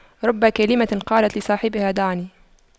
رب كلمة قالت لصاحبها دعني